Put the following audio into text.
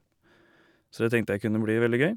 Så det tenkte jeg kunne bli veldig gøy.